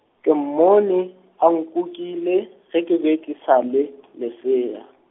ke mmone, a nkukile, ge ke be ke sa le , lesea.